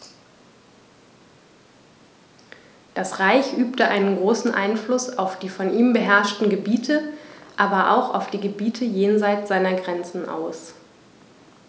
Das Reich übte einen großen Einfluss auf die von ihm beherrschten Gebiete, aber auch auf die Gebiete jenseits seiner Grenzen aus.